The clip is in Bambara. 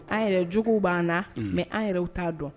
An yɛrɛ juguw ban na mais an yɛrɛw ta dɔn.